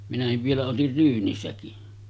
minäkin vielä otin ryynisäkin